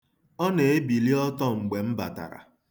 Ọ na-ebili ọtọ mgbe m batara.